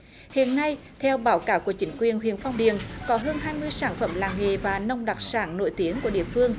hiện nay theo báo cáo của chính quyền huyện phong điền có hơn hai mươi sản phẩm làng nghề và nông đặc sản nổi tiếng của địa phương